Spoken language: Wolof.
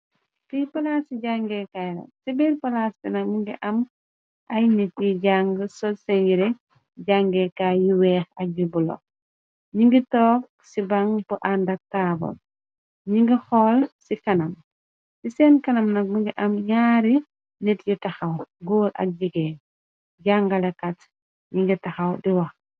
fi palase jangekaay lah. ci biir palase bi nag mi ngi am ay nit yi jang sol sénjire jangekaay yi weex ak yu bulo ñi ngi toog ci baŋ bu àndak taabar ñi ngi xool ci kanam ci seen kanam nag mingi am ñaari nit yu taxaw góol ak jégéen jàngalakat ñi ngi taxaw di wax